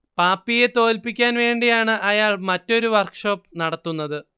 പാപ്പിയെ തോൽപ്പിക്കാൻ വേണ്ടിയാണ് അയാൾ മറ്റൊരു വർക്ക്ഷോപ്പ് നടത്തുന്നത്